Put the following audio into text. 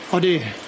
Odi.